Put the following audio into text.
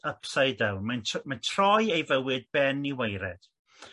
upside down mae'n mae'n troi ei fywyd ben iw waered.